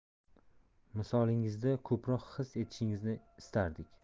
misolingizda ko'proq his etishingizni istardik